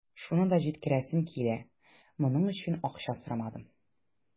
Шуны да җиткерәсем килә: моның өчен акча сорамадым.